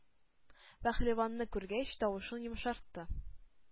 Пәһлеванны күргәч, тавышын йомшартты: